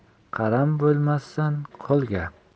qaram bo'lmassan qo'lga